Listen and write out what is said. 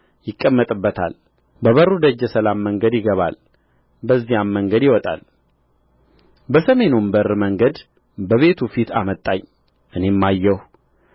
ይቀመጥበታል በበሩ ደጀ ሰላም መንገድ ይገባል በዚያም መንገድ ይወጣል በሰሜኑም በር መንገድ በቤቱ ፊት አመጣኝ እኔም አየሁ